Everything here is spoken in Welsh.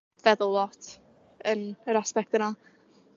feddwl lot yn yr aspect yna.